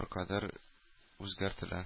беркадәр үзгәртелә.